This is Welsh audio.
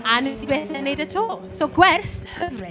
A wnes i byth wneud e eto. So gwers hyfryd.